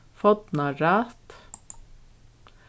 fornarætt